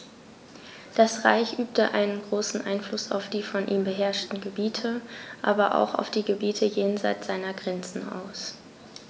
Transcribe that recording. Das Reich übte einen großen Einfluss auf die von ihm beherrschten Gebiete, aber auch auf die Gebiete jenseits seiner Grenzen aus.